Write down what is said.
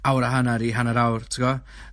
awr a hannar i hanner awr t'go'?